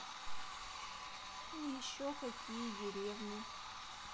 еще какие деревни